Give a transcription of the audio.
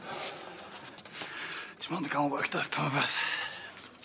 Ti mond yn ca'l worked up am y peth.